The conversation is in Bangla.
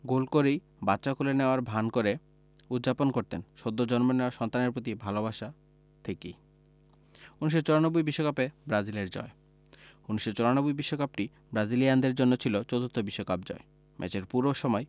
গোল করেই বাচ্চা কোলে নেওয়ার ভান করে উদ্যাপন করতেন সদ্য জন্ম নেওয়া সন্তানের প্রতি ভালোবাসা থেকেই ১৯৯৪ বিশ্বকাপে ব্রাজিলের জয় ১৯৯৪ বিশ্বকাপটি ব্রাজিলিয়ানদের জন্য ছিল চতুর্থ বিশ্বকাপ জয় ম্যাচের পুরো সময়